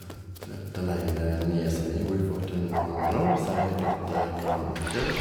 de Den ene niesa mi, hu har fått en unge nå, så jeg har blitt grandonkel.